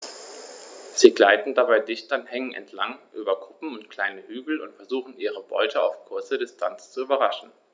Sie gleiten dabei dicht an Hängen entlang, über Kuppen und kleine Hügel und versuchen ihre Beute auf kurze Distanz zu überraschen.